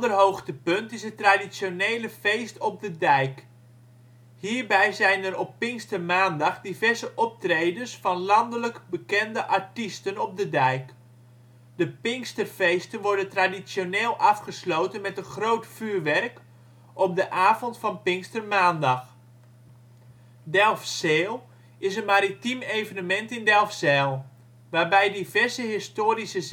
hoogtepunt is het traditionele feest op de dijk. Hierbij zijn er op pinkstermaandag diverse optredens van landelijk bekende artiesten op de dijk. De pinksterfeesten worden traditioneel afgesloten met een groot vuurwerk op de avond van pinkstermaandag. DelfSail is een maritiem evenement in Delfzijl. Waarbij diverse historische